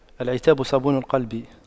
العتاب صابون القلب